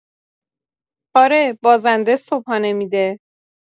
آره، بازنده صبحانه می‌ده.